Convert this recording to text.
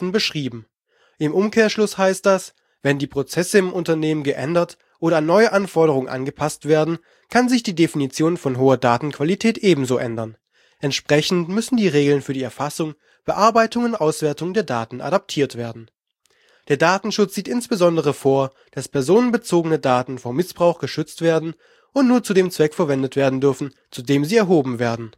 beschrieben. Im Umkehrschluss heißt das: Wenn die Prozesse im Unternehmen geändert oder an neue Anforderungen angepasst werden, kann sich die Definition von hoher Datenqualität ebenso ändern. Entsprechend müssen die Regeln für die Erfassung, Bearbeitung und Auswertung der Daten adaptiert werden. Der Datenschutz sieht insbesondere vor, dass personenbezogene Daten vor Missbrauch geschützt werden und nur zu dem Zweck verwendet werden dürfen, zu dem sie erhoben werden